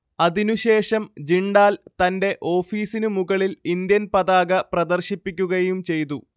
അതിനു ശേഷം ജിണ്ടാൽ തന്റെ ഓഫീസിനു മുകളിൽ ഇന്ത്യൻ പതാക പ്രദർശിപ്പിക്കുകയും ചെയ്തു